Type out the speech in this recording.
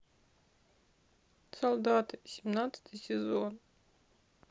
солдаты семнадцатый сезон